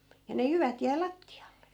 ja ne jyvät jäi lattialle